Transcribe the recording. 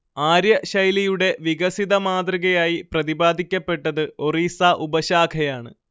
ആര്യ ശൈലിയുടെ വികസിത മാതൃകയായി പ്രതിപാദിക്കപ്പെട്ടത് ഒറീസ ഉപശാഖയാണ്